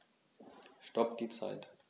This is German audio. Stopp die Zeit